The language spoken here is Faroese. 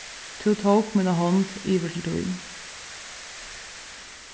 tú tók mína hond yvir til tín